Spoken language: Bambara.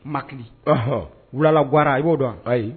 Maki wulalawara i y'o dɔn ayi